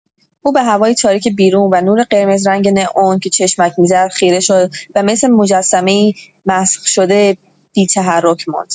او به هوای تاریک بیرون و نور قرمزرنگ نئون که چشمک می‌زد، خیره شد و مثل مجسمه‌ای مسخ‌شده، بی‌تحرک ماند.